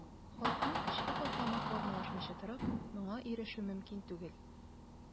Халыкның көчле катламы формалашмыйча торып, моңа ирешү мөмкин түгел.